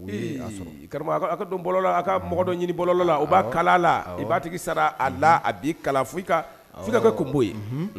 Karamɔgɔ donlɔla a ka mɔgɔ dɔ ɲini bɔlɔla o b'a kalala i ba sara a la a' kala ka kɛ kunbo ye